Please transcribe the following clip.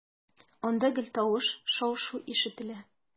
Анда гел тавыш, шау-шу ишетелә.